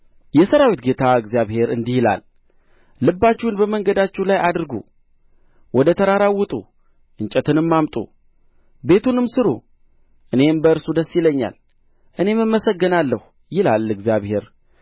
የሠራዊት ጌታ እግዚአብሔር እንዲህ ይላል ልባችሁን በመንገዳችሁ ላይ አድርጉ ወደ ተራራው ውጡ እንጨትንም አምጡ ቤቱንም ሥሩ እኔም በእርሱ ደስ ይለኛል እኔም እመሰገናለሁ ይላል እግዚአብሔር